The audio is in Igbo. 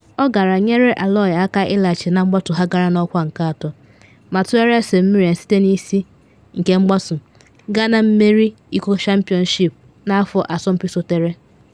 Ọ gara nyere Alloa aka ịlaghachite na mgbatu ha gara n’ọkwa nke atọ, ma tụgharịa St Mirren site n’isi nke mgbatu gaa na mmeri iko Championship n’afọ asọmpi sotere.